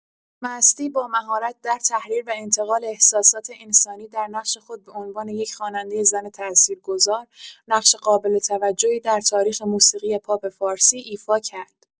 مهستی با مهارت در تحریر و انتقال احساسات انسانی در نقش خود به عنوان یک خواننده زن تأثیرگذار، نقش قابل توجهی در تاریخ موسیقی پاپ فارسی ایفا کرد.